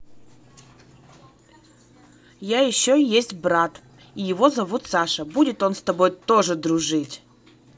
я еще есть брат и его зовут саша будет он с тобой тоже дружить